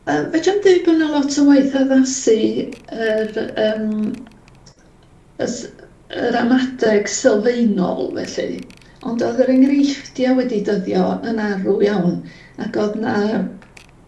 Yy fedrai'm dweud bo' 'na lot o waith addasu yr yym y s- y ramadeg sylfaenol felly ond o'dd yr enghreifftia' wedi dyddio yn arw iawn ac o'dd 'na